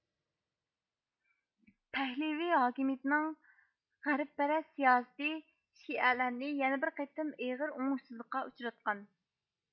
پەھلىۋى ھاكىمىيىتىنىڭ غەربپەرەس سىياسىتى شىئەلەرنى يەنە بىر قېتىم ئېغىر ئوڭۇشسىزلىققا ئۇچراتقان